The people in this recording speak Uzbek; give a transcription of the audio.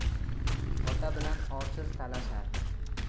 ota bilan orsiz talashar